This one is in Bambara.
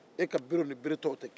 e ka bere ni bere tɔw tɛ kelen ye